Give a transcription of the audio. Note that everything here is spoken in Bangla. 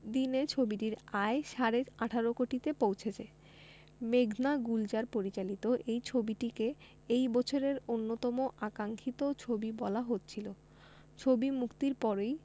দিনে ছবিটির আয় সাড়ে ১৮ কোটিতে পৌঁছেছে মেঘনা গুলজার পরিচালিত এই ছবিটিকে এই বছরের অন্যতম আকাঙ্খিত ছবি বলা হচ্ছিল ছবি মুক্তির পরই